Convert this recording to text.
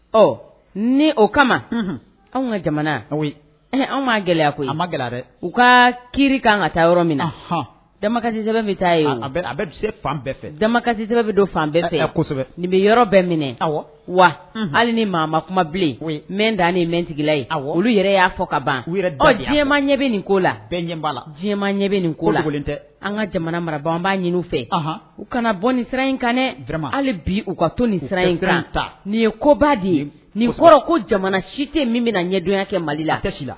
Ɔ ni o kama anw ka jamana an'a gɛlɛya ko an ma gɛlɛya u ka ki ka kan ka taa yɔrɔ min na damaj sɛbɛn bɛ taa bɛ se fan bɛɛ fɛ damakasi bɛ don fan bɛɛ fɛ nin bɛ yɔrɔ bɛɛ minɛ aw wa hali ni maa kuma bilen mɛ da ni mɛntigila ye aw olu yɛrɛ y'a fɔ ka ban u yɛrɛ dɔ jiyɛnma ɲɛ bɛ nin ko la ɲɛba la diɲɛma ɲɛ bɛ nin kokolon tɛ an ka jamana maraban anan b' ɲini fɛ u kana bɔ nin siran in kaɛ durama hali bi u ka to nin siran inran ta nin ye koba de ye nin fɔra ko jamana si tɛ min bɛna na ɲɛdonya kɛ mali la a tɛsi la